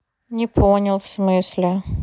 не понял в смысле